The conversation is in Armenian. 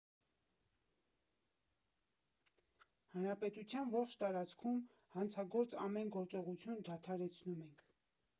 Հանրապետության ողջ տարածքում հանցագործ ամեն գործողություն դադարեցնում ենք։